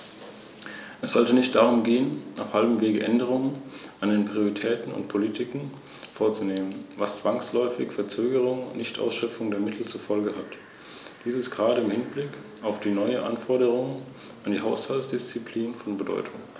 Einen letzten Punkt möchte ich noch ansprechen: Wir dürfen uns nicht damit begnügen, eine weitere Lücke im Sicherheitsnetz zu schließen und die Augen davor zu verschließen, dass beim Thema Verkehrssicherheit in Europa noch viel mehr zu tun ist.